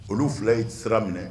Olu 2 ye sira minɛ